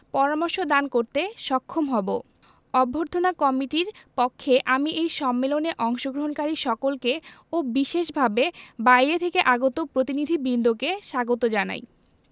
পরামর্শ দান করতে সক্ষম হবো অভ্যর্থনা কমিটির পক্ষে আমি এই সম্মেলনে অংশগ্রহণকারী সকলকে ও বিশেষভাবে বাইরে থেকে আগত প্রতিনিধিবৃন্দকে স্বাগত জানাই